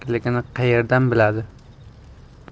nima kerakligini qayerdan biladi